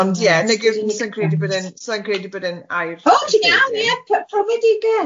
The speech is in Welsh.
Ond ie nag yw sa i'n credu bod e'n, sa i'n credu bod e'n air... O ie ti'n iawn ie profedigeth.